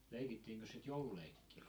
leikittiinkös sitä joululeikkejä